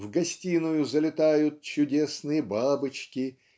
в гостиную залетают "чудесные бабочки